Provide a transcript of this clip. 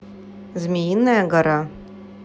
змеиная гора